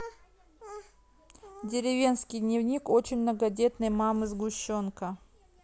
деревенский дневник очень многодетной мамы сгущенка